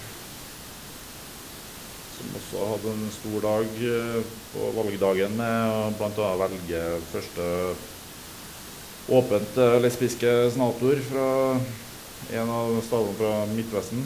Som også hadde en stor dag på valgdagen med å blant anna velge første åpent lesbiske senator fra en av statene fra Midtvesten.